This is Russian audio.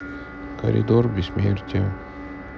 коридор бессмертия